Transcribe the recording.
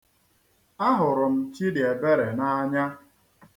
Ahụrụ m Chidịebere n'anya.